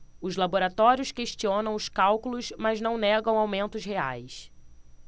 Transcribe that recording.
os laboratórios questionam os cálculos mas não negam aumentos reais